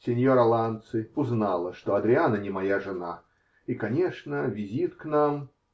Синьора Ланци узнала, что Адриана не моя жена и, конечно, визит к нам.